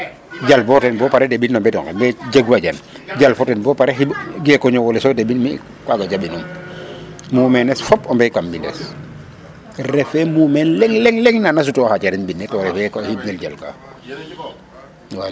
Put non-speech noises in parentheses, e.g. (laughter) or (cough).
(crosstalk) jal bo pare deɓin no mbed onqe jeg wajan jal; foden bo pare xiɓ geek o ñoow ole so deɓin mi' kaaga jaɓinum (noise) ,muumeenes fop owey kam mbindes refee mumenes leŋ na leŋ na na sutooxa carind mbind ne to refee ko (noise) xiɓnel jalka.